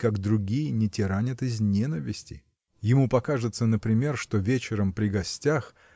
как другие не тиранят из ненависти. Ему покажется например что вечером при гостях